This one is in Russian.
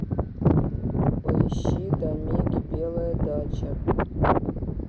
поищи до меги белая дача